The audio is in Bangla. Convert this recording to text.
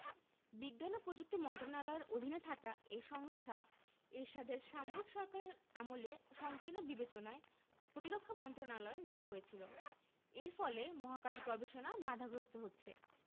বিজ্ঞান ও প্রযুক্তি মন্ত্রণালয়ের অধীনে থাকা এই সংস্থা এরশাদের সামরিক সরকারের আমলে সংকীর্ণ বিবেচনায় প্রতিরক্ষা মন্ত্রণালয়ে নেওয়া হয়েছিল এর ফলে মহাকাশ গবেষণা বাধাগ্রস্ত হচ্ছে